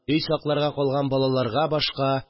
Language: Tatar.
Өй сакларга клган балаларга башка